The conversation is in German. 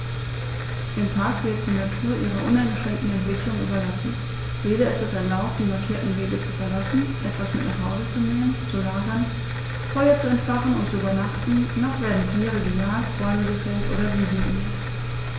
Im Park wird die Natur ihrer uneingeschränkten Entwicklung überlassen; weder ist es erlaubt, die markierten Wege zu verlassen, etwas mit nach Hause zu nehmen, zu lagern, Feuer zu entfachen und zu übernachten, noch werden Tiere gejagt, Bäume gefällt oder Wiesen gemäht.